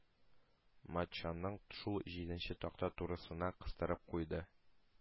Матчаның шул җиденче такта турысына кыстырып куйды.